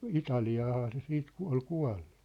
Italiaanhan se sitten - oli kuollut